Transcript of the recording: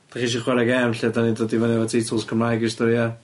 'Dach chi isie chware gêm lle 'dan ni'n dod i fynny efo teitls Cymraeg i storia'?